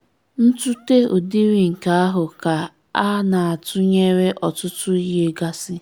Ntụte ụdịrị nke ahụ ka a na-atunyere ọtụtụ ihe gasị.